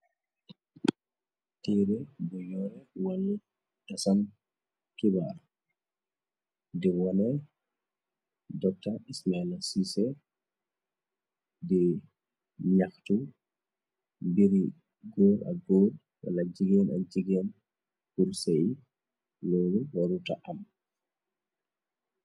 Tiire bu yoore walu tasam kibaar di wone dota ismel cisef di ñaxtu biri góor ak boot wala jigeen ak jigeen bur sey loolu waruta am.